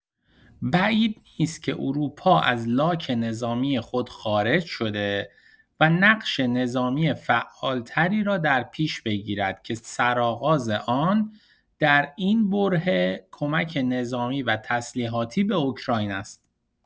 بعید نیست که اروپا از لاک نظامی خود خارج‌شده و نقش نظامی فعال‌تری را در پیش بگیرد که سرآغاز آن، در این برهه، کمک نظامی و تسلیحاتی به اوکراین است.